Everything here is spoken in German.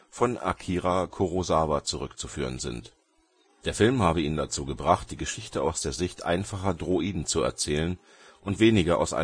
von Akira Kurosawa zurückzuführen sind. Der Film habe ihn dazu gebracht, die Geschichte aus der Sicht einfacher Droiden zu erzählen und weniger aus